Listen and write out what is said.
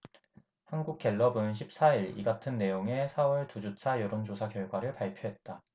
한국갤럽은 십 사 일 이같은 내용의 사 월 두 주차 여론조사 결과를 발표했다